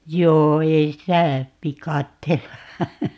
joo ei sitä viikatteella